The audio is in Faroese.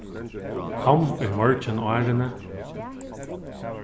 kom í morgin árini